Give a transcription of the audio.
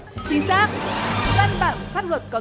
chính xác văn bản pháp luật có